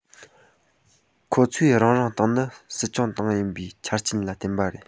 ཁོ ཚོས རང རེའི ཏང ནི སྲིད སྐྱོང ཏང ཡིན པའི ཆ རྐྱེན ལ བརྟེན པ རེད